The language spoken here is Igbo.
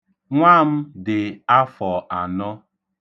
Nwa m dị afọ anọ.